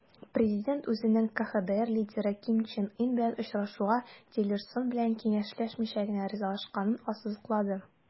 Президент үзенең КХДР лидеры Ким Чен Ын белән очрашуга Тиллерсон белән киңәшләшмичә генә ризалашканын ассызыклады.